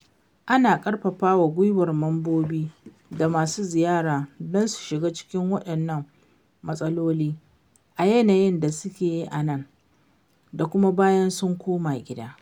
Ana ƙarfafa gwiwar mambobi da masu ziyara don su shiga cikin waɗannan matsaloli a yayin da suke a nan da kuma bayan sun koma gida.